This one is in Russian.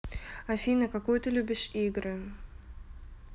афина какую ты любишь игры